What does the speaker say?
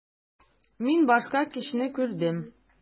Мин башка кешене күрдем.